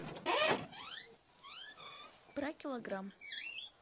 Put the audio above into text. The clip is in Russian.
про килограмм